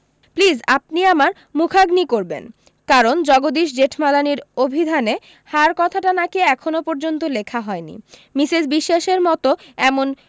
please আপনি আমার মুখাগ্নি করবেন কারণ জগদীশ জেঠমালানির অভিধানে হার কথাটা নাকি এখনও পর্য্যন্ত লেখা হয় নি মিসেস বিশ্বাসের মতো এমন